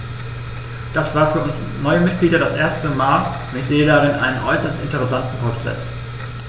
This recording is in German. Das war für uns neue Mitglieder das erste Mal, und ich sehe darin einen äußerst interessanten Prozess.